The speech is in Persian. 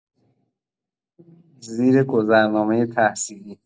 زیر گذرنامه تحصیلی